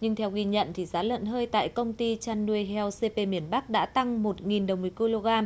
nhưng theo ghi nhận thì giá lợn hơi tại công ty chăn nuôi heo xê pê miền bắc đã tăng một nghìn đồng một ki lô gam